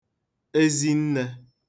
ezinnē